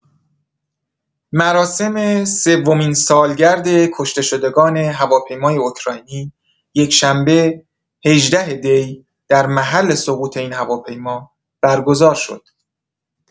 مراسم سومین سالگرد کشته‌شدگان هواپیمای اوکراینی، یکشنبه ۱۸ دی در محل سقوط این هواپیما برگزار شد.